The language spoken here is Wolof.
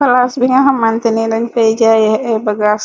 palaas bi ña xamante ni dañ fay jaaye bagaas